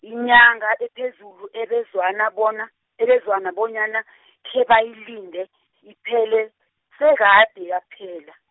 inyanga ephezulu ebezwana bona, ebezwana bonyana , khebayilinde, iphele, sekade yaphela.